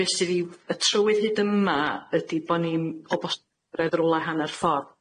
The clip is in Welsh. Be' sydd i y trywydd hyd yma ydi bo' ni'n o bostredd rwla hanner ffordd.